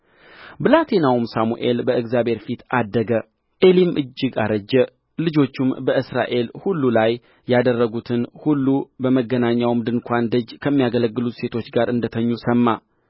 ብላቴናውም ሳሙኤል በእግዚአብሔር ፊት አደገ ዔሊም እጅግ አረጀ ልጆቹም በእስራኤል ሁሉ ላይ ያደረጉትን ሁሉ በመገናኛውም ድንኳን ደጅ ከሚያገለግሉት ሴቶች ጋር እንደ ተኙ ሰማ